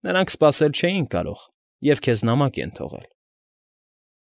Նրանք սպասել չէին կարող և քեզ նամակ են թողել։ ֊